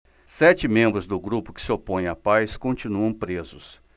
sete membros do grupo que se opõe à paz continuam presos